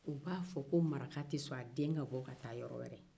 u b'a fɔ ko maraka tɛ sɔn a den ka bɔ ka taa yɔrɔ wɛrɛ